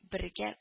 Бергә